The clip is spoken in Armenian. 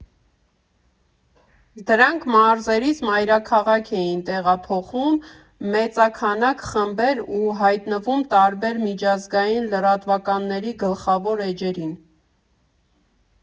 Դրանք մարզերից մայրաքաղաք էին տեղափոխում մեծաքանակ խմբեր ու հայտնվում տարբեր միջազգային լրատվականների գլխավոր էջերին։